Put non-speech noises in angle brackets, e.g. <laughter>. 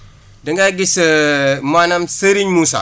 dangaa gis <hesitation> maanaam Serigne Moussa